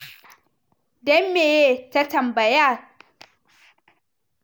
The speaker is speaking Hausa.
Dan meye? ta tambaya.